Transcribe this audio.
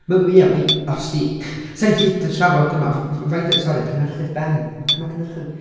Ma', ia, ma', os 'di... 'San ni'n gallu trafod yma, f- f- faint 'di, sori, cynhyrchydd Ben, ma', ma' cynhyrchydd...